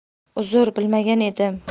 uzr bilmagan edim